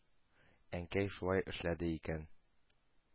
Әнкәй шулай эшләде икән?